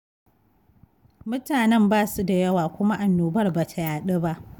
Mutanen ba su da yawa kuma annobar ba ta yaɗu ba.